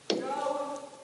Iawn.